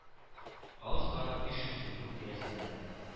Халык саны биш йөз ун дүрт тирәсендә